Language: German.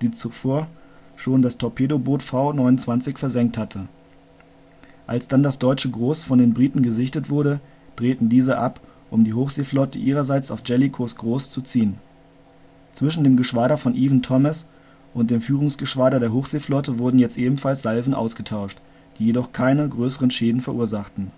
der zuvor schon das Torpedoboot V29 versenkt hatte. Als dann das deutsche Gros von den Briten gesichtet wurde, drehten diese ab, um die Hochseeflotte ihrerseits auf Jellicoes Gros zu ziehen. Zwischen dem Geschwader von Evan-Thomas und dem Führungsgeschwader der Hochseeflotte wurden jetzt ebenfalls Salven ausgetauscht, die jedoch keine größeren Schäden verursachten